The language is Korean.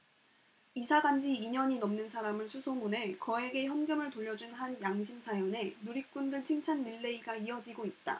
이사 간지 이 년이 넘는 사람을 수소문해 거액의 현금을 돌려준 한 양심 사연에 누리꾼들 칭찬릴레이가 이어지고 있다